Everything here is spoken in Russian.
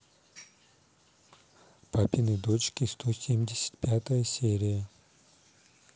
папины дочки сто семьдесят пятая серия